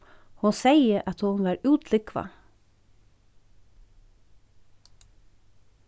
hon segði at hon var útlúgvað